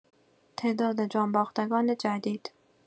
تعداد جان‌باختگان جدید